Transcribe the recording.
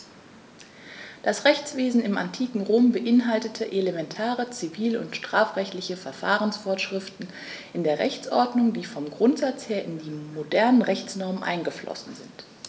Das Rechtswesen im antiken Rom beinhaltete elementare zivil- und strafrechtliche Verfahrensvorschriften in der Rechtsordnung, die vom Grundsatz her in die modernen Rechtsnormen eingeflossen sind.